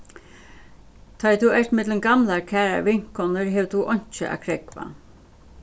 tá ið tú ert millum gamlar kærar vinkonur hevur tú einki at krógva